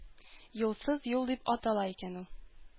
«юлсыз юл» дип атала икән ул.